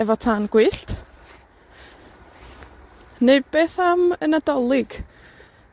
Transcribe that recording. Efo tân gwyllt? Neu beth am y Nadolig?